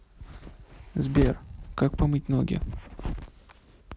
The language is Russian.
сбер как помыть ноги